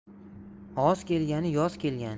g'oz kelgani yoz kelgani